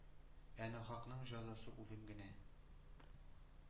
— ә нахакның җәзасы үлем генә.